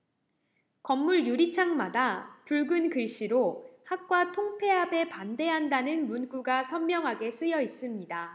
건물 유리창마다 붉은 글씨로 학과 통폐합에 반대한다는 문구가 선명하게 쓰여있습니다